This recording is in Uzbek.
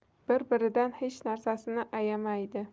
bir biridan hech narsani ayamaydi